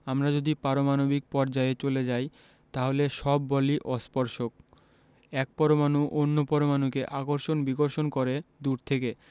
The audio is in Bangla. আমরা যদি পারমাণবিক পর্যায়ে চলে যাই তাহলে সব বলই অস্পর্শক এক পরমাণু অন্য পরমাণুকে আকর্ষণ বিকর্ষণ করে দূর থেকে